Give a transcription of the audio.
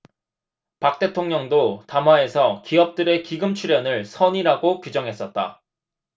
박 대통령도 담화에서 기업들의 기금 출연을 선의라고 규정했었다